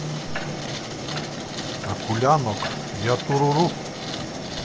акуленок я туруру